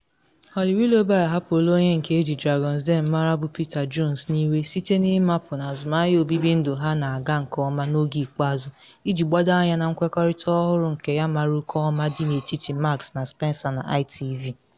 Holly Willoughby ahapụla onye nke eji Dragons” Den mara bụ Peter Jones n’iwe site na ịmapụ n’azụmahịa obibi ndụ ha na aga nke ọma n’oge ikpeazụ - iji gbado anya na nkwekọrịta ọhụrụ nke ya mara oke ọma dị n’etiti Marks & Spencer na ITV.